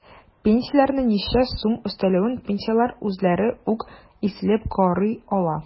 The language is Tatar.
Пенсияләренә ничә сум өстәлүен пенсионерлар үзләре үк исәпләп карый ала.